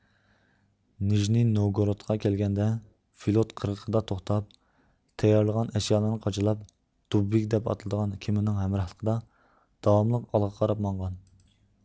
نىژنى نوۋگورودقا كەلگەندە فلوت قىرغىقىدا توختاپ تەييارلىغان ئەشيالارنى قاچىلاپ دۇبۋىك دەپ ئاتىلىدىغان كېمىنىڭ ھەمراھلىقىدا داۋاملىق ئالغا قاراپ ماڭغان